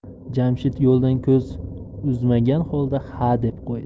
jamshid yo'ldan ko'z uzmagan holda ha deb qo'ydi